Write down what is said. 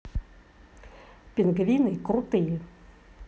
пингвины крутые